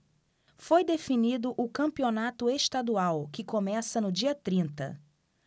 foi definido o campeonato estadual que começa no dia trinta